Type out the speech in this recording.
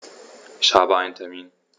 Ich habe einen Termin.